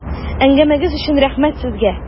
Әңгәмәгез өчен рәхмәт сезгә!